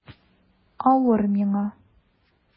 Авыр миңа...